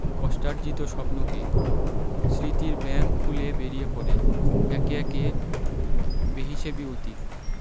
কষ্টার্জিত স্বপ্নকে স্মৃতির ব্যাঙ্ক খুলে বেরিয়ে পড়ে একে একে বেহিসেবী অতীত